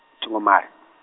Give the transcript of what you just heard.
thi ngo mala.